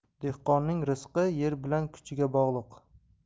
dehqonning rizqi yer bilan kuchiga bog'liq